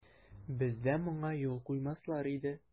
Бездә моңа юл куймаслар иде.